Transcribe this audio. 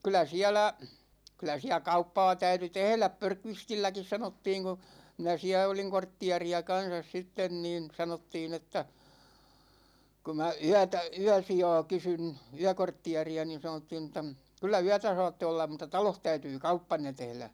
kyllä siellä kyllä siellä kauppaa täytyi tehdä Björkvistilläkin sanottiin kun minä siellä olin kortteeria kanssa sitten niin sanottiin että kun minä yötä yösijaa kysyin yökortteeria niin sanottiin että kyllä yötä saatte olla mutta talossa täytyy kauppanne tehdä